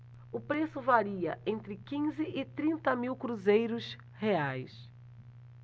o preço varia entre quinze e trinta mil cruzeiros reais